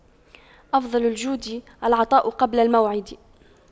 أفضل الجود العطاء قبل الموعد